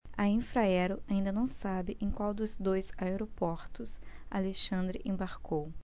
a infraero ainda não sabe em qual dos dois aeroportos alexandre embarcou